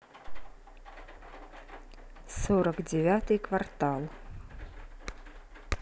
сорок девятый квартал